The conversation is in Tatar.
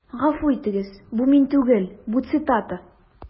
Гафу итегез, бу мин түгел, бу цитата.